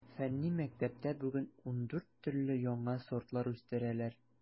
Фәнни мәктәптә бүген ундүрт төрле яңа сортлар үстерәләр.